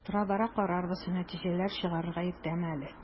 Тора-бара карарбыз, нәтиҗәләр чыгарырга иртәме әле?